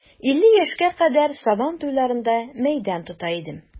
Илле яшькә кадәр сабан туйларында мәйдан тота идем.